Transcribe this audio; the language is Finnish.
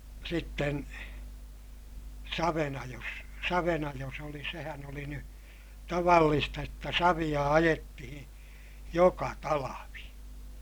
sitten savenajossa savenajossa oli sehän oli nyt tavallista jotta savea ajettiin joka talvi